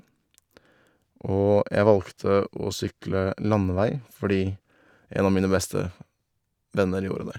Og jeg valgte å sykle landevei fordi en av mine beste venner gjorde det.